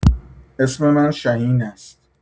اسم من شهین است.